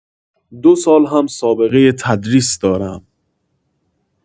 ۲ سال هم سابقه تدریس دارم.